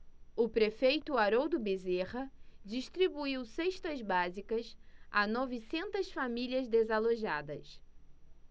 o prefeito haroldo bezerra distribuiu cestas básicas a novecentas famílias desalojadas